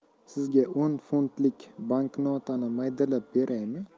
sizga o'n funtlik banknotani maydalab beraymi